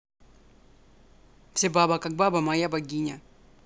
все баба как баба моя богиня